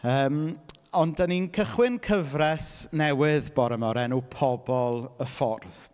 Yym ond dan ni'n cychwyn cyfres newydd bore 'ma o'r enw Pobol y Ffordd.